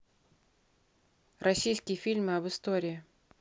российские фильмы об истории